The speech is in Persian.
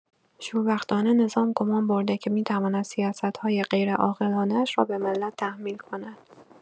شوربختانه، نظام گمان برده که می‌تواند سیاست‌های غیرعاقلانه‌اش را به ملت تحمیل کند.